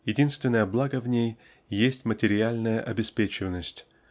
единственное благо в ней есть материальная обеспеченность